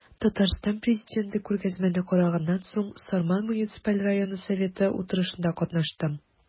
Татарстан Президенты күргәзмәне караганнан соң, Сарман муниципаль районы советы утырышында катнашты.